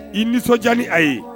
I nisɔndiya ni a' ye